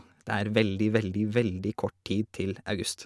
Det er veldig, veldig, veldig kort tid til august.